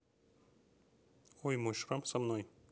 ой мой шрам со мной